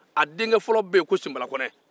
a denkɛfɔlɔ bɛ yen ko simbala kɔnɛ